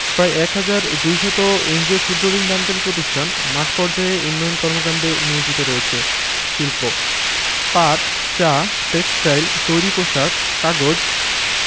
প্রায় ১ হাজার ২০০ এনজিও ক্ষুদ্র্ ঋণ দানকারী প্রতিষ্ঠান মাঠপর্যায়ে উন্নয়ন কর্মকান্ডে নিয়োজিত রয়েছে শিল্পঃ পাট চা টেক্সটাইল তৈরি পোশাক কাগজ